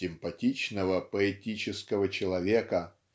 "симпатичного поэтического человека"